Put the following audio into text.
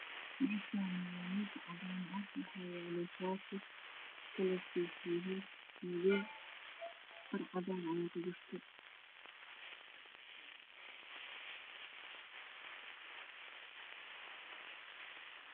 Meeshaani waa miis cadaan ah waxaa yaalo shaati kalarkiisu yahay madow barcadaan ayaa ku jirto